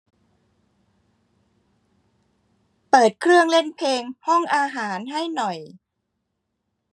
เปิดเครื่องเล่นเพลงห้องอาหารให้หน่อย